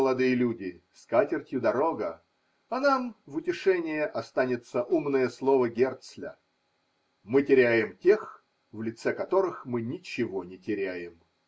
молодые люди, скатертью дорога, а нам в утешение останется умное слово Герцля: мы теряем тех, в лице которых мы ничего не теряем.